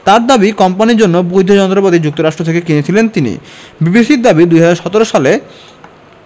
তাঁর দাবি কোম্পানির জন্য বৈধ যন্ত্রপাতি যুক্তরাষ্ট্র থেকে কিনেছিলেন তিনি বিবিসির দাবি ২০১৭ সালে